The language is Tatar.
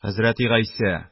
Хәзрәти Гайсә...